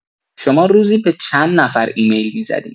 شما روزی به چند نفر ایمیل می‌زدین؟